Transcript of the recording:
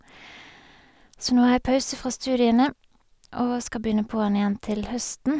Så nå har jeg pause fra studiene, og skal begynne på den igjen til høsten.